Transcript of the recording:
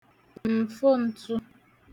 mfon̄tū